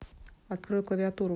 открой клавиатуру